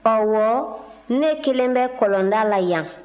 ɔwɔ ne kelen bɛ kɔlɔnda la yan